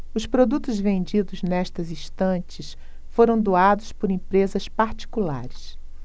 os produtos vendidos nestas estantes foram doados por empresas particulares